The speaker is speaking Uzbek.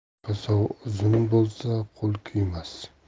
kosov uzun bo'lsa qo'l kuymas